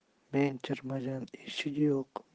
men kirmagan eshik yo'q